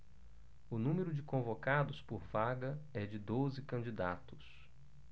o número de convocados por vaga é de doze candidatos